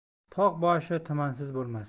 tog' boshi tumansiz bo'lmas